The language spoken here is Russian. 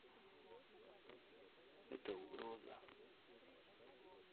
это угроза